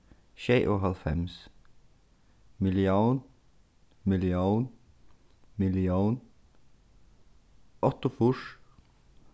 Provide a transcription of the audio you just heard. sjeyoghálvfems millión millión millión áttaogfýrs